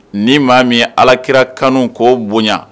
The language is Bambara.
Ni maa min alakira kanu k'o bonya